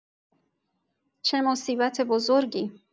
چه مصیبت بزرگی!